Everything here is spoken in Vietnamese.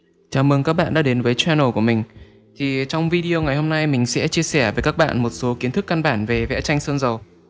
chào mừng các bạn đã đên với channel của mình thì trong video ngày hôm nay mình sẽ chia sẻ một số kiến thức căn bản về vẽ tranh sơn dầu